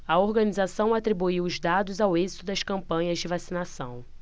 a organização atribuiu os dados ao êxito das campanhas de vacinação